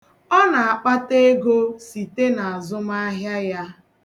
Ọ na-akpata ego site n'azụmaahịa ya.